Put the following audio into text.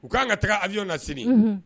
U ka kan ka taa avion na sini, unhun.